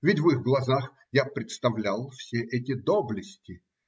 Ведь в их глазах я представлял все эти доблести.